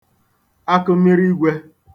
akụmirigwē